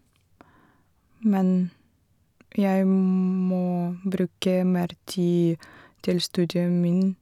Men jeg må bruke mer tid til studium min.